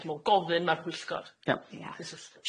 Ia dw m'wl gofyn ma'r pwyllgor, cysylltu.